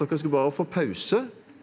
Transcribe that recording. dere skal bare få pause.